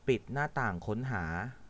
ปิดหน้าต่างค้นหา